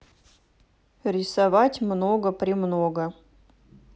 рисовать много премного